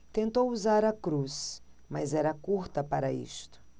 tentou usar a cruz mas era curta para isto